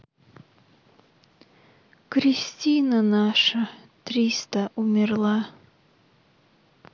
кристина наша триста умерла